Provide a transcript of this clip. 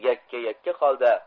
yakka yakka holda